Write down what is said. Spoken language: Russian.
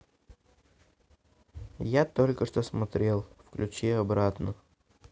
я только что смотрел включи обратно